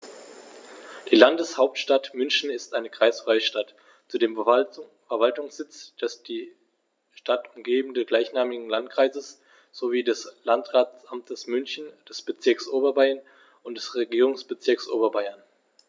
Die Landeshauptstadt München ist eine kreisfreie Stadt, zudem Verwaltungssitz des die Stadt umgebenden gleichnamigen Landkreises sowie des Landratsamtes München, des Bezirks Oberbayern und des Regierungsbezirks Oberbayern.